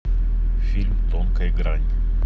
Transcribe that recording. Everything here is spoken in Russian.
фильм тонкая грань